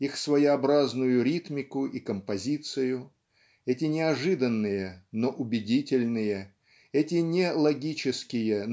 их своеобразную ритмику и композицию эти неожиданные но убедительные эти не логические